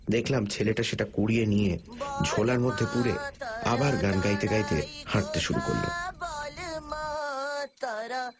দেখলাম ছেলেটা সেটা কুড়িয়ে নিয়ে ঝোলার মধ্যে পুরে আবার গান গাইতে গাইতে হাঁটতে শুরু করল